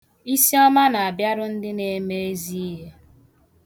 Isioma na-abịara ndị na-eme ezi ihe.